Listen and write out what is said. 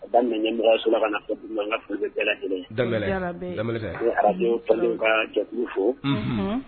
A bakɛsola ka bɛɛ kelen ka ja fo